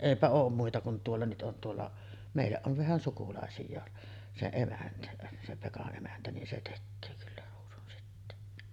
eipä ole muita kuin tuolla nyt on tuolla meidän on vähän sukulaisia se emäntä se Pekan emäntä niin se tekee kyllä ruusunsiteen